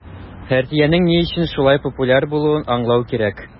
Хартиянең ни өчен шулай популяр булуын аңлау кирәк.